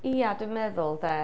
Ia, dwi'n meddwl de.